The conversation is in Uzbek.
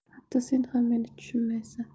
hatto sen ham meni tushunmaysan